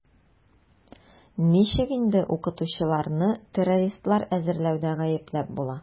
Ничек инде укытучыларны террористлар әзерләүдә гаепләп була?